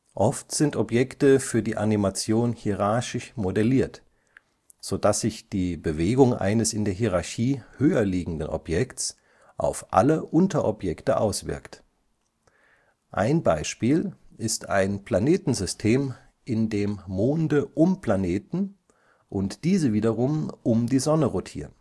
Oft sind Objekte für die Animation hierarchisch modelliert, sodass sich die Bewegung eines in der Hierarchie höher liegenden Objekts auf alle Unterobjekte auswirkt. Ein Beispiel ist ein Planetensystem, in dem Monde um Planeten und diese wiederum um die Sonne rotieren